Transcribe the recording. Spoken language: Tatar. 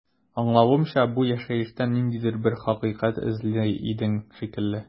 Аңлавымча, бу яшәештән ниндидер бер хакыйкать эзли идең шикелле.